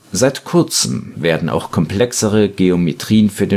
Seit Kurzem werden auch komplexere Geometrien für